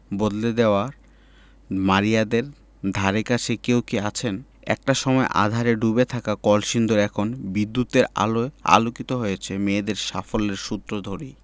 বদলে দেওয়ায় মারিয়াদের ধারেকাছে কেউ কি আছেন একটা সময়ে আঁধারে ডুবে থাকা কলসিন্দুর এখন বিদ্যুতের আলোয় আলোকিত হয়েছে মেয়েদের সাফল্যের সূত্র ধরেই